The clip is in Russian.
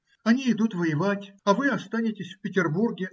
Они идут воевать, а вы останетесь в Петербурге